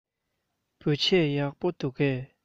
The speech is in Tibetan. བོད ཆས ཡག པོ འདུག གས